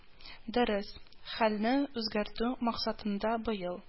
Дөрес, хәлне үзгәртү максатында быел